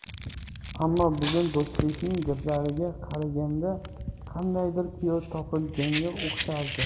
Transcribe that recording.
ammo bugun do'stbekning gaplariga qaraganda qandaydir kuyov topilganga o'xshardi